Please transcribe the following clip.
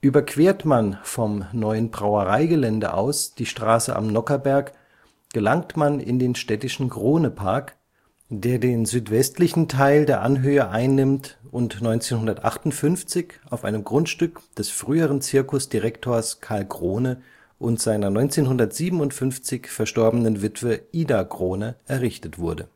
Überquert man vom neuen Brauereigelände aus die Straße Am Nockherberg, gelangt man in den städtischen Kronepark, der den südwestlichen Teil der Anhöhe einnimmt, und 1958 auf einem Grundstück des früheren Zirkusdirektos Carl Krone und seiner 1957 verstorbenen Witwe Ida Krone errichtet wurde